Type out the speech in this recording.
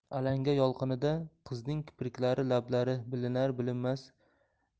alanga yolqinida qizning kipriklari lablari bilinar